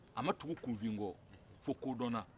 a ma tugu kunfin kɔ fo kodɔnna